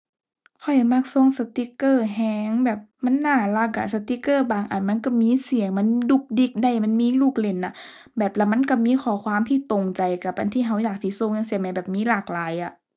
ข้อยมักส่งสติกเกอร์แรง แบบมันน่ารักอะ สติกเกอร์บางอันมันแรงมีเสียง มันดุกดิกได้ มันมีลูกเล่นอะ แบบ แล้วมันแรงมีข้อความที่ตรงใจกับอันที่แรงอยากสิส่งจั่งซี้แหม แบบมีหลากหลายอะ